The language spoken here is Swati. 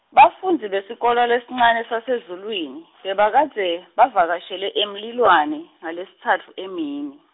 bafundzi besikolwa lesincane saseZulwini, bebakadze, bavakashele eMlilwane, ngaLesitsatfu emini.